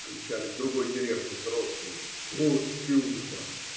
- кричали в другой деревне взрослые, - вот чудо-то!